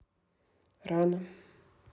рана